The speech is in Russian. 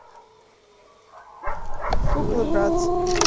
куклы братц